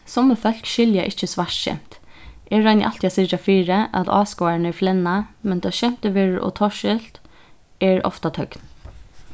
summi fólk skilja ikki svart skemt eg royni altíð at syrgja fyri at áskoðararnir flenna men tá skemtið verður ov torskilt er ofta tøgn